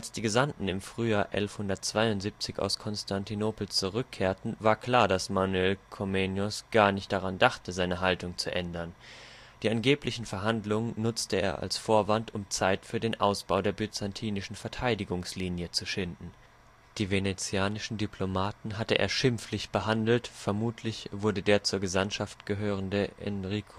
die Gesandten im Frühjahr 1172 aus Konstantinopel zurückkehrten war klar, dass Manuel Komnenos gar nicht daran dachte, seine Haltung zu ändern. Die angeblichen Verhandlungen nutzte er als Vorwand, um Zeit für den Ausbau der byzantinischen Verteidigungslinie zu schinden. Die venezianischen Diplomaten hatte er schimpflich behandelt, vermutlich wurde der zur Gesandtschaft gehörende Enrico